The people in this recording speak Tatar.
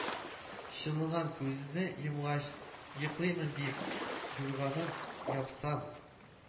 Чыланган күзне йомгач, йоклыймын дип юрганым япсам